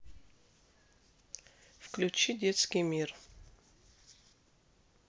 включи детский мир